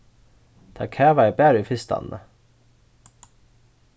tað kavaði bara í fyrstani